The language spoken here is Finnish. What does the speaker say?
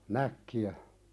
näkkiä